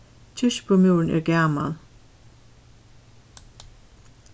kirkjubømúrurin er gamal